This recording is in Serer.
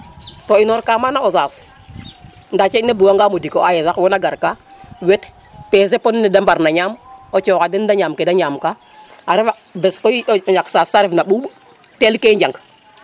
to inor ka mana o Saas nda ceƴ ne buga nga mudik o aye sax wona gar ka wer peser pod ne de mbar na ñam o coxa den de ñam kede ñam ka a fefa bes koy o ñak saas te ref na ɓuuɓ teel ke njang